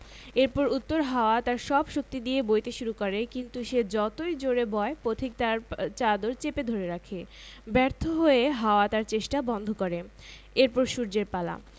singer fridge বা freezer কিনে ক্রেতা তার নিজস্ব মোবাইল নম্বর থেকে